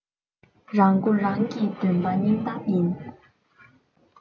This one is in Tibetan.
རང མགོ རང གིས འདོན པ སྙིང གཏམ ཡིན